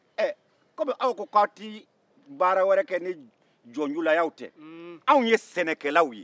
ɛɛ kɔmi aw ko aw tɛ baara wɛrɛ kɛ ni jɔnjulayaw tɛ anw ye sɛnɛkɛlaw ye